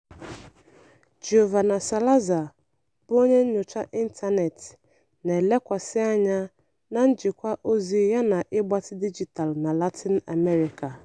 Giovanna Salazar bụ onye nnyocha ịntanetị na-elekwasị anya na njikwa ozi yana ịgbatị dijitalụ na Latin Amerịka.